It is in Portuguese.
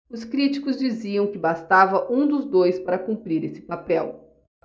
os críticos diziam que bastava um dos dois para cumprir esse papel